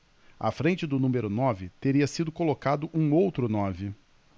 à frente do número nove teria sido colocado um outro nove